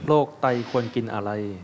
โรคไตควรกินอะไร